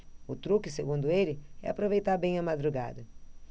o truque segundo ele é aproveitar bem a madrugada